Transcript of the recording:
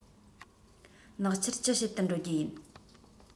ནག ཆུར ཅི བྱེད དུ འགྲོ རྒྱུ ཡིན